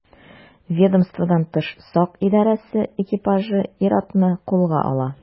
Ведомстводан тыш сак идарәсе экипажы ир-атны кулга ала.